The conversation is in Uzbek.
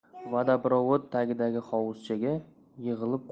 vadaprovod tagidagi hovuzchaga yig'ilib